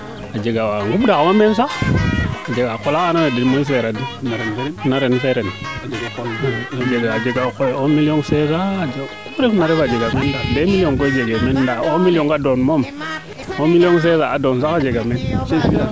a jega waa ngumb nda xama meen sax a jega xa qola xa ando naye den moƴu seera den ren fe a jega o qol un million cinq cent ku refna meen daal a jega meen deux million koy jege meen ndaa un million a doon moom un million cinq cent sax a jega meen